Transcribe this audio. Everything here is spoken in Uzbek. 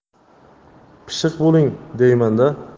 pishiq bo'ling deyman da